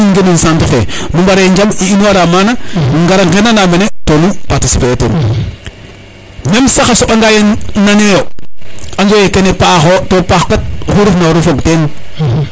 nuun ngenu centre fe nu mbare njaɓ i inor mana ngar ngena na mene to nu participer e ten meme sax a soɓa nga ye nane yo anda ye kene paxo to paax kat oxu ref na waru fog ten